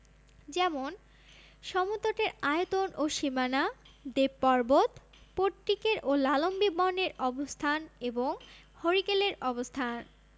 যেমন সমতটের আয়তন ও সীমানা দেবপর্বত পট্টিকের ও লালম্বি বন এর অবস্থান এবং হরিকেলের অবস্থা